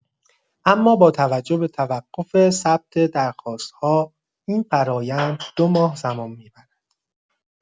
اما با توجه به توقف ثبت درخواست‌ها این فرآیند دو ماه زمان می‌برد.